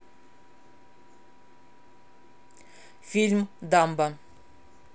фильм дамба